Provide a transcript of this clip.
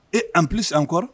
Et en plus encore